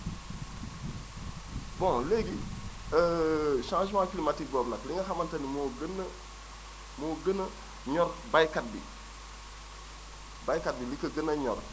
bon léegi changement climatique boobu nag li ngaxamante ni moo gën a moo gën a ñor baykat bi baykat bi li ko gën a ñor